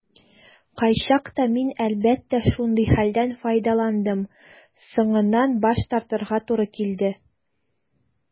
Кайчакта мин, әлбәттә, шундый хәлдән файдаландым - соңыннан баш тартырга туры килде.